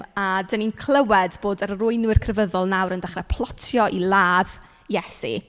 A dan ni'n clywed bod yr arweinwyr crefyddol nawr yn dechrau plotio i ladd Iesu.